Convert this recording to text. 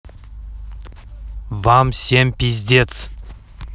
вам семь пиздец